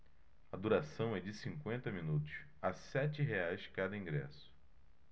a duração é de cinquenta minutos a sete reais cada ingresso